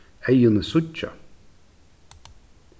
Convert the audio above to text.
eyguni síggja